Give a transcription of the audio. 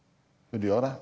vil du gjøre det?